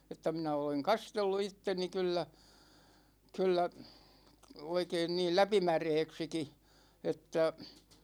että minä olen kastellut itseni kyllä kyllä oikein niin läpimäräksikin että